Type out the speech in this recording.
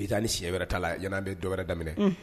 I taa' si wɛrɛɛrɛ ta la yanana bɛ dɔwɛrɛ daminɛ